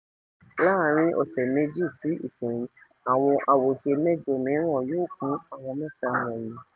Láàárín ọ̀sẹ̀ méjì sí ìsinyìí àwọn àwòṣe mẹ́jọ mìíràn yóò kún àwọn mẹ́ta wọ̀nyìí.